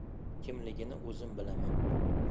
kimligini o'zim bilaman